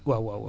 waaw waaw waaw